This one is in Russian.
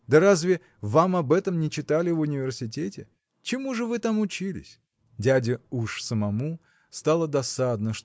Да разве вам об этом не читали в университете? Чему же вы там учились?. Дяде уж самому стало досадно